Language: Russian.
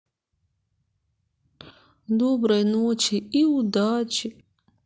доброй ночи и удачи